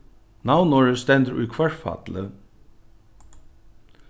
navnorðið stendur í hvørfalli